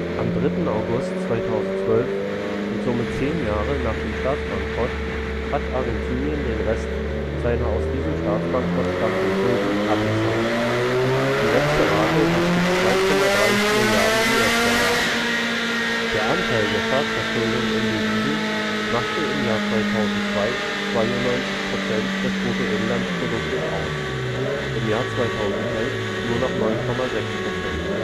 Am 3. August 2012 – und somit zehn Jahre nach dem Staatsbankrott – hat Argentinien den Rest seiner aus diesem Staatsbankrott stammenden Schulden abbezahlt. Die letzte Rate betrug 2,3 Mrd. US-Dollar. Der Anteil der Staatsverschuldung in Devisen machte im Jahr 2002 92 % des BIP aus, im Jahr 2011 nur noch 9,6 %